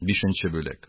Бишенче бүлек